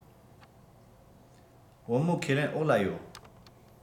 བུ མོ ཁས ལེན འོག ལ ཡོད